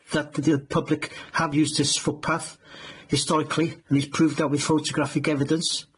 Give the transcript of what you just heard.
that the public have used this footpath historically, and he's proved that with photographic evidence.